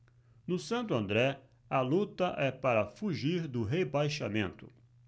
no santo andré a luta é para fugir do rebaixamento